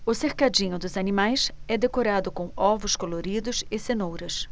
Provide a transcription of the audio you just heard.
o cercadinho dos animais é decorado com ovos coloridos e cenouras